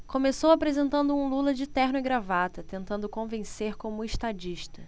começou apresentando um lula de terno e gravata tentando convencer como estadista